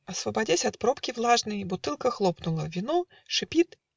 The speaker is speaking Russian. Освободясь от пробки влажной, Бутылка хлопнула вино Шипит